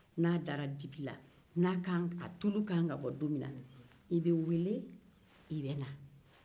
n'a dara dibi la a tulu k'an ka bɔ don min na i bɛ wele i be na